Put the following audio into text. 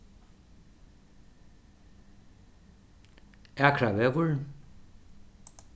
akravegur